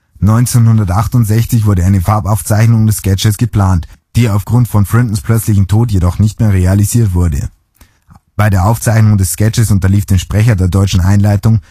1968 wurde eine Farbaufzeichnung des Sketches geplant, die aufgrund von Frintons plötzlichem Tod jedoch nicht mehr realisiert wurde. Bei der Aufzeichnung des Sketches unterlief dem Sprecher der deutschen Einleitung